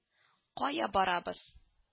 Кая барабыз